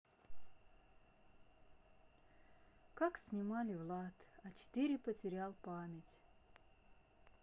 как снимали влад а четыре потерял память